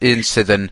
...un sydd yn